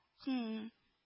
Хн-хн-хн